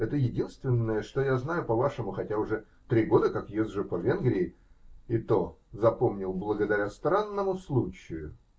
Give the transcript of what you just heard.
Это единственное, что я знаю по вашему, хотя уже три года, как езжу по Венгрии, и то запомнил благодаря странному случаю.